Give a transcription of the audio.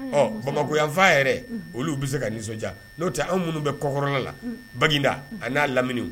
Ɔ bamakɔyanfa yɛrɛ olu bɛ se ka nisɔndiya n'o cɛ anw minnu bɛ kɔkɔrɔnɛ la bagda a n'a lamini